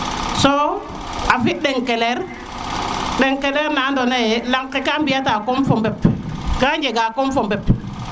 so a fi ɗe'keleer ɗe'keleer na ando na ye lang ke ga mbiya ta comme fo mbep ka njega comme fo mbep